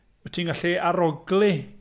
Wyt ti'n gallu arogli...